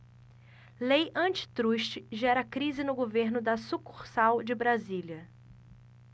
lei antitruste gera crise no governo da sucursal de brasília